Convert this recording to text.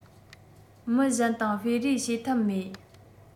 མི གཞན དང སྤེལ རེས བྱས ཐབས མེད